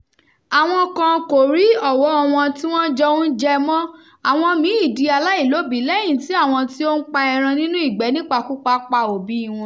Àwọn kan kò rí ọ̀wọ́ọ wọn tí wọ́n jọ ń jẹ̀ mọ́, àwọn mìíì di aláìlóbìíi lẹ́yìn tí àwọn tí ó ń pa ẹran nínú ìgbẹ́ nípakúpa pa òbíi wọn.